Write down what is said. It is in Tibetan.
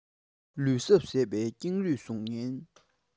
ལུས ཟུངས ཟད པའི ཀེང རུས གཟུགས བརྙན